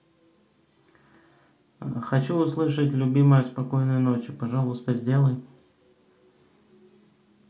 хочу услышать любимая спокойной ночи пожалуйста сделай